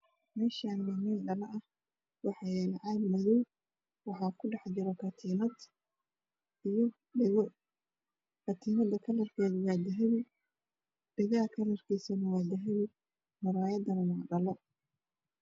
Meeshaani waa meel dhalo waxa yaalo caag madow waxa ku dhex jira katiinad iyo dhago ka tiinada midabkeeda waa dahabi dhagaha kalarkiisana waa dahabi muraayadana waa dhalo